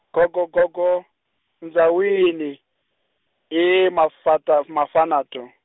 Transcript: go go go go ndzawini, he mafata- Mafanato.